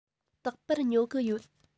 རྟག པར ཉོ གི ཡོད